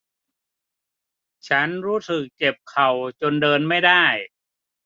ฉันรู้สึกเจ็บเข่าจนเดินไม่ได้